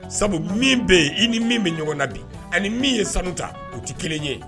Sabu min bɛ yen i ni min bɛ ɲɔgɔn na bi ani min ye sanu ta o tɛ kelen ye